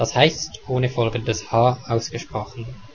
heißt ohne folgendes h ausgesprochen